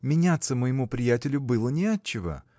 меняться моему приятелю было не от чего.